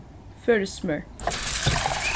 føroyskt smør